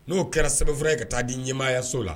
N'o kɛra sɛbɛnfura ye ka taa di ɲɛmaayaso la